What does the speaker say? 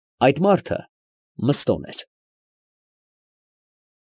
Այդ մարդը Մըստոն էր։